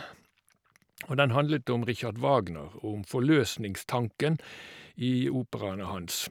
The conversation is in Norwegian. Og den handlet om Richard Wagner og om forløsningstanken i operaene hans.